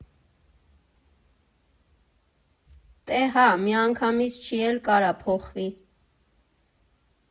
֊ Տե հա, միանգամից չի էլ կարա փոխվի։